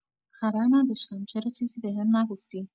خبر نداشتم، چرا چیزی بهم نگفتی؟